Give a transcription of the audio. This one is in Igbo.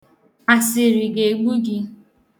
Asịrị ga-egbu gị.